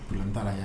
Problème taara yan.